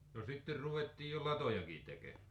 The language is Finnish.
no sitten ruvettiin jo latojakin tekemään